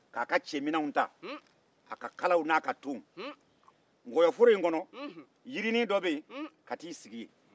k'a ka cɛminɛnw ta ka t'a i sigi jirinin dɔ kɔrɔ nkɔyɔforo in kɔnɔ